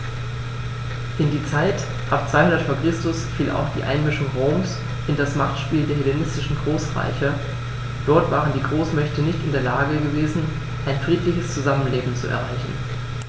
In die Zeit ab 200 v. Chr. fiel auch die Einmischung Roms in das Machtspiel der hellenistischen Großreiche: Dort waren die Großmächte nicht in der Lage gewesen, ein friedliches Zusammenleben zu erreichen.